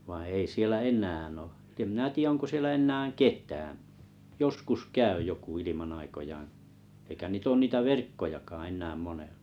vaan ei siellä enää ole että en minä tiedä onko siellä enää ketään joskus käy joku ilman aikojaan eikä niitä ole niitä verkkojakaan enää monella